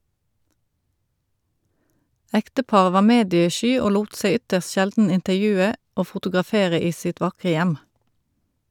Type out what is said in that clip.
Ekteparet var mediesky og lot seg ytterst sjelden intervjue og fotografere i sitt vakre hjem.